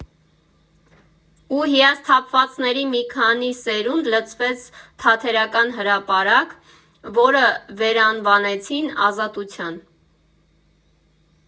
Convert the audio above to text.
Ու հիասթափվածների մի քանի սերունդ լցվեց Թատերական հրապարակ, որը վերանվանեցին Ազատության։